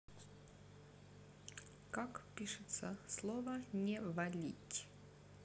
как пишется слово не валить